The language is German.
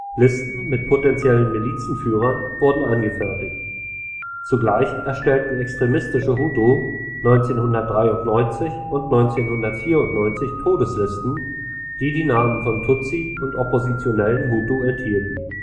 Listen mit potenziellen Milizenführern wurden angefertigt. Zugleich erstellten extremistische Hutu 1993 und 1994 Todeslisten, die die Namen von Tutsi und oppositionellen Hutu enthielten